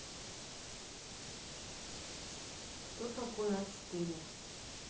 кто такой а четыре